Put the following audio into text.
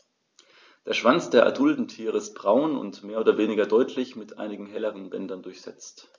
Der Schwanz der adulten Tiere ist braun und mehr oder weniger deutlich mit einigen helleren Bändern durchsetzt.